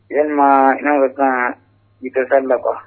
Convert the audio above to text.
Walima n bɛ ka bitata la